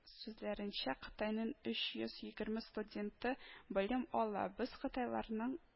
Сүзләренчә, кытайның оч йоз егерме студенты белем ала. «без кытайларның